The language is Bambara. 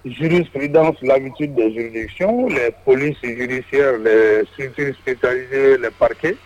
Ziri sirid filabiti bɛure s bɛ paulsiiririsi sinsiy pake